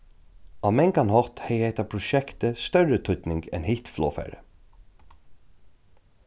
á mangan hátt hevði hetta prosjektið størri týdning enn hitt flogfarið